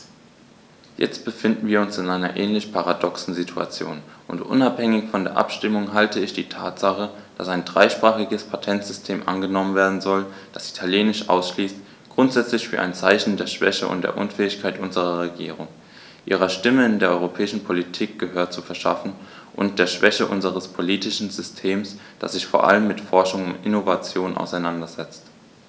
Jetzt befinden wir uns in einer ähnlich paradoxen Situation, und unabhängig von der Abstimmung halte ich die Tatsache, dass ein dreisprachiges Patentsystem angenommen werden soll, das Italienisch ausschließt, grundsätzlich für ein Zeichen der Schwäche und der Unfähigkeit unserer Regierung, ihrer Stimme in der europäischen Politik Gehör zu verschaffen, und der Schwäche unseres politischen Systems, das sich vor allem mit Forschung und Innovation auseinandersetzt.